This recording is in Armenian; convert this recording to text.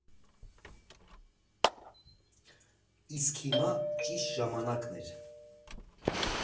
Իսկ հիմա՝ ճիշտ ժամանակն էր…